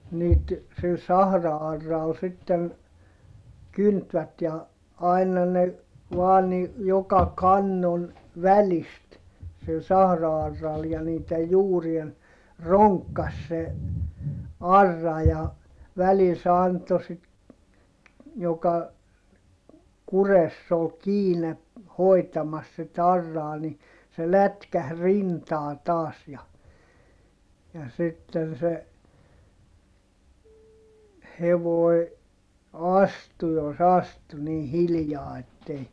niitä sillä sahra-auralla sitten kyntivät ja aina ne vain niin joka kannon välistä sillä sahra-auralla ja niiden juurien ronkkasi se aura ja välillä se antoi sitten joka kurressa oli kiinni hoitamassa sitten auraa niin se lätkähti rintaan taas ja ja sitten se hevonen astui jos astui niin hiljaa että ei